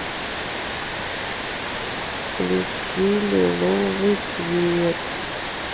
включи лиловый свет